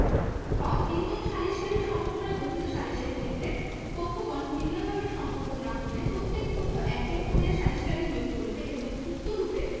খ তিনজন সালিসকারী সমন্বয়ে গঠিত সালিসের ক্ষেত্রে পক্ষগণ ভিন্নভাবে সম্মত না হইলে প্রত্যেক পক্ষ একজন করিয়া সালিসকারী নিয়োগ করিবে এবং উক্তরূপে